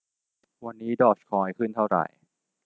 วันนี้ดอร์จคอยขึ้นเท่าไหร่